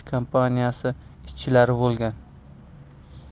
tayyorlash kompaniyasi ishchilari bo'lgan